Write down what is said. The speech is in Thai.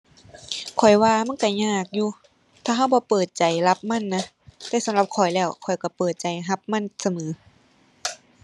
ข้อยว่ามันก็ยากอยู่ ถ้าก็บ่เปิดใจรับมันนะ แต่สำหรับข้อยแล้วข้อยก็เปิดใจก็มันเสมอ